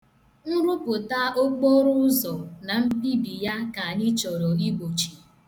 Nrụpụta okporoụzọ na mbibi ya ka anyị chọrọ ịgbochi.